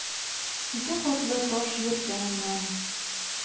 Ике катлы таш йорт яныннан...